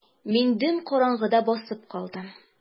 Мин дөм караңгыда басып калдым.